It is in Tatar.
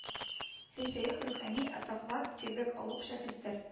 Син шәех рухани атаклар кебек олуг шәхестер